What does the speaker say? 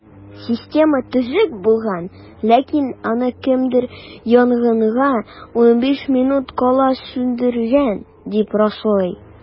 Система төзек булган, ләкин аны кемдер янгынга 15 минут кала сүндергән, дип раслый.